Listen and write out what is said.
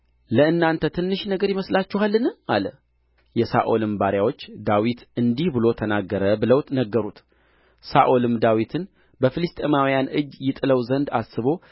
ለእናንተ ትንሽ ነገር ይመስላችኋልን አለ የሳኦልም ባሪያዎች ዳዊት እንዲህ ብሎ ተናገረ ብለው ነገሩት ሳኦልም ዳዊትን በፍልስጥኤማውያን እጅ ይጥለው ዘንድ አስቦ